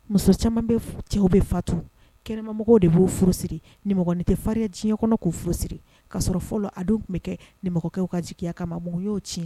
Muso caman bɛ cɛw bɛ fatu kɛnɛmamɔgɔw de b'o furusiri nimɔgɔnin tɛ farinya diɲɛ kɔnɔ ko furusiri kasɔrɔ fɔlɔ a dun tun bɛ kɛ nimɔgɔkɛw ka jigiya kama mun y'o tiɲɛ